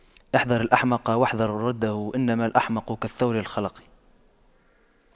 احذر الأحمق واحذر وُدَّهُ إنما الأحمق كالثوب الْخَلَق